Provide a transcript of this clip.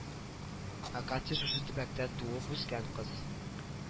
Ә катя шушы төбәктә туып-үскән кыз